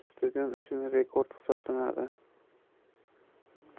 stadion uchun rekord hisoblanadi